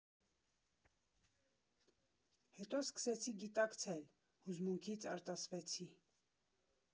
Հետո սկսեցի գիտակցել, հուզմունքից արտասվեցի։